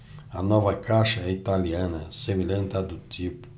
a nova caixa é italiana semelhante à do tipo